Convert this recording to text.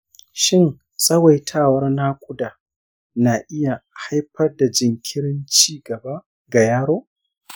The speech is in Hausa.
shin tsawaitawar naƙuda na iya haifar da jinkirin ci gaba ga yaro?